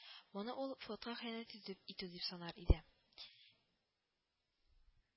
Моны ул флотка хыянәт итү итү дип санар иде